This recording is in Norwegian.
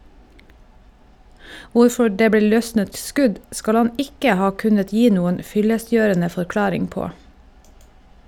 Hvorfor det ble løsnet skudd skal han ikke ha kunnet gi noen fyllestgjørende forklaring på.